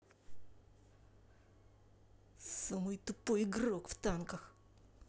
самый тупой игрок в танках